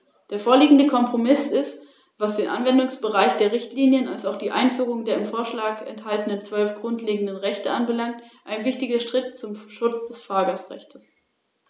Der Rat hätte sich um einen gemeinsamen Standpunkt bemühen müssen, und vielleicht hätte er sich, unter Berücksichtigung der Anzahl der Anmeldungen und der am meisten benutzten Sprache, mehr für die Verwendung einer Sprache einsetzen müssen, damit wir auf den globalen Märkten konkurrenzfähiger werden.